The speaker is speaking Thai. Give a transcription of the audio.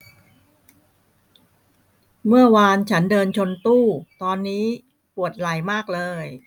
เมื่อวานฉันเดินชนตู้ตอนนี้ปวดไหล่มากเลย